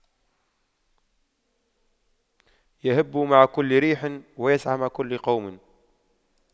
يَهُبُّ مع كل ريح ويسعى مع كل قوم